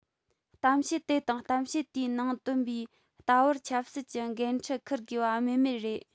གཏམ བཤད དེ དང གཏམ བཤད དེའི ནང བཏོན པའི ལྟ བར ཆབ སྲིད ཀྱི འགན འཁྲི འཁུར དགོས པ སྨོས མེད རེད